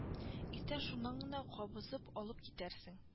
Иртән шуннан гына кабызып алып китәрсең